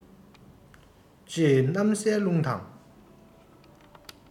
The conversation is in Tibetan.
ཅེས གནམ སའི རླུང དང